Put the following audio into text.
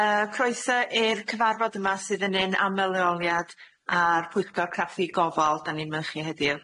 Yy croeso i'r cyfarfod yma sydd yn un aml leoliad ar pwyllgor craffu gofal 'dan ni'n mynchu heddiw.